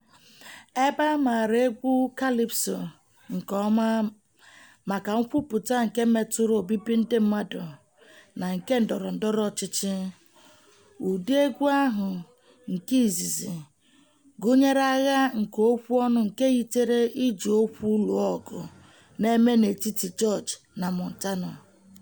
Ebe a maara egwu kalịpso nke ọma maka nkwupụta nke metụrụ obibi ndị mmadụ na nke ndọrọ ndọrọ ọchịchị, ụdị egwu ahụ nke izizi gụnyere agha nke okwu ọnụ nke yitere iji okwu lụọ ọgụ na-eme n'etiti George na Montano.